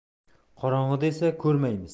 qorong'ida esa ko'rmaymiz